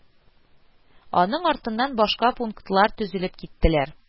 Аның артыннан башка пунктлар тезелеп киттеләр